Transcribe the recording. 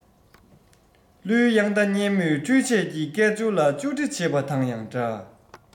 གླུའི དབྱངས རྟ སྙན མོས འཕྲུལ ཆས ཀྱི སྐད ཅོར ལ ཅོ འདྲི བྱེད པ དང ཡང འདྲ